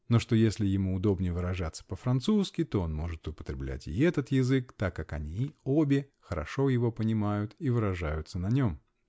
но что если ему удобнее выражаться по-французски, то он может употреблять и этот язык, -- так как они обе хорошо его понимают и выражаются на нем.